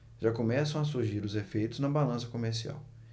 já começam a surgir os efeitos na balança comercial